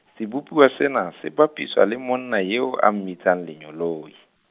sebopuwa sena, se bapiswa le monna eo a mmitsang Lengeloi.